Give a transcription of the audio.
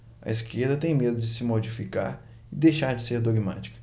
a esquerda tem medo de se modificar e deixar de ser dogmática